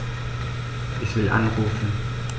Ich will anrufen.